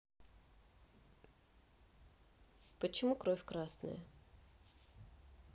почему кровь красная